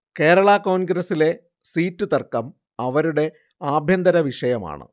കേരള കോണ്ഗ്രസിലെ സീറ്റ് തര്ക്കം അവരുടെ ആഭ്യന്തര വിഷയമാണ്